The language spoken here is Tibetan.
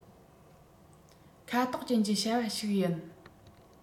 ཁ དོག ཅན གྱི བྱ བ ཞིག ཡིན